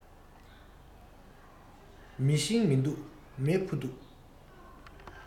མེ ཤིང མི འདུག མེ ཕུ འདུག